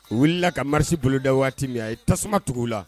Wulila la ka marisi bolo da waati min a ye tasuma tugu la